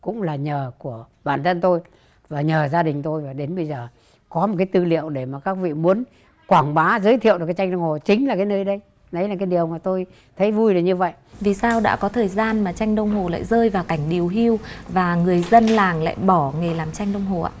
cũng là nhờ của bản thân tôi và nhờ gia đình tôi và đến bây giờ có một cái tư liệu để mà các vị muốn quảng bá giới thiệu với tranh đông hồ chính là cái nơi đây lấy cái điều mà tôi thấy vui đến như vậy vì sao đã có thời gian mà tranh đông hồ lại rơi vào cảnh đìu hiu và người dân làng lại bỏ nghề làm tranh đông hồ ạ